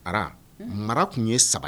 Ara, mara tun ye saba ye.